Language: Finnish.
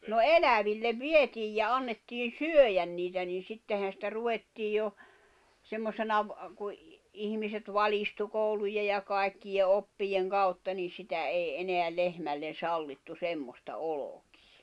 no eläville vietiin ja annettiin syödä niitä niin sittenhän sitä ruvettiin jo semmoisena - kun ihmiset valistui koulujen ja kaikkien oppien kautta niin sitä ei enää lehmälle sallittu semmoista olkea